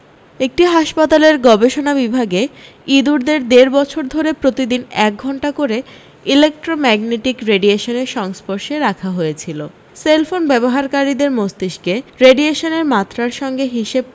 একটি হাসপাতালের গবেষণা বিভাগে ইঁদুরদের দেড় বছর ধরে প্রতিদিন এক ঘণ্টা করে ইলেকট্রোম্যাগনেটিক রেডিয়েশনের সংস্পর্শে রাখা হয়েছিলো সেলফোন ব্যবহারকারীদের মস্তিষ্কে রেডিয়েশনের মাত্রার সঙ্গে হিসেব